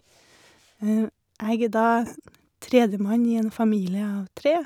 Jeg er da tredjemann i en familie av tre.